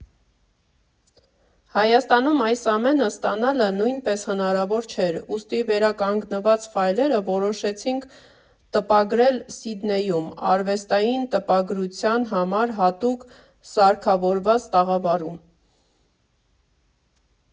Հայաստանում այս ամենը ստանալը նույնպես հնարավոր չէր, ուստի վերականգնված ֆայլերը որոշեցինք տպագրել Սիդնեյում՝ արվեստային տպագրության համար հատուկ սարքավորված տաղավարում։